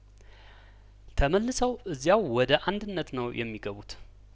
ተመልሰው እዚያው ወደ አንድነት ነው የሚገቡት